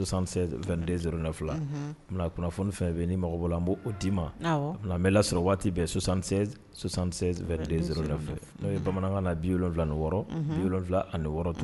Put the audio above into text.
2 ne fila kunnafoni fɛn bɛ ni mago n bɔ o d'i ma bɛ lasɔrɔ waati bɛsan2denfɛ n'o ye bamanankan bi wolonwula ni wɔɔrɔ bi wolonwula ani wɔɔrɔ to